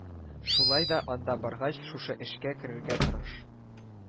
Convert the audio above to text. Шулай да, анда баргач, шушы эшкә керергә тырыш